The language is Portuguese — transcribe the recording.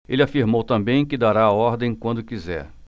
ele afirmou também que dará a ordem quando quiser